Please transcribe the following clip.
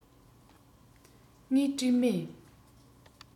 ངས བྲིས མེད